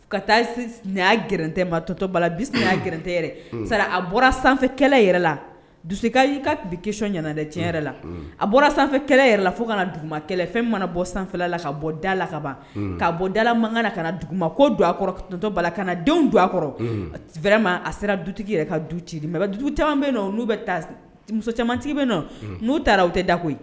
Ka taa gɛrɛtɛma tɔtɔ balala g sara a bɔra sanfɛkɛla yɛrɛ la dusuka ka bikisɛsɔn ɲana tiɲɛ yɛrɛ la a bɔra sanfɛfɛkɛla yɛrɛ la fo kana na duguma kɛlɛ fɛn mana bɔ sanfɛla la ka bɔ dala la ka ban ka bɔ dala makan na ka dugu ma ko atɔ balala ka na denw don a kɔrɔ a fɛrɛɛrɛ ma a sera dutigi yɛrɛ ka du ci mɛ dugu caman bɛ n'u bɛ camantigi bɛ nɔ n'u taara u tɛ da koyi